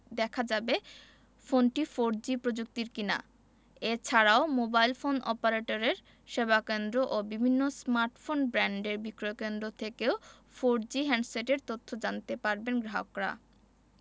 দেখা যাবে ফোনটি ফোরজি প্রযুক্তির কিনা এ ছাড়াও মোবাইল ফোন অপারেটরের সেবাকেন্দ্র ও বিভিন্ন স্মার্টফোন ব্র্যান্ডের বিক্রয়কেন্দ্র থেকেও ফোরজি হ্যান্ডসেটের তথ্য জানতে পারবেন গ্রাহকরা